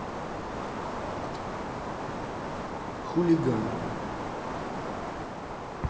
хулиган